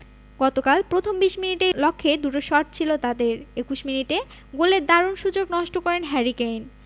গতকাল প্রথম ২০ মিনিটেই লক্ষ্যে দুটো শট ছিল তাদের ২১ মিনিটে গোলের দারুণ সুযোগ নষ্ট করেন হ্যারি কেইন